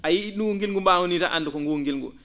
a yiyii ?um nguun ngilngu mbaangu nii tan anndu ko nguun ngilngu